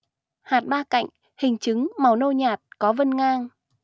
hạt ba cạnh hình trứng màu nâu nhạt có vân ngang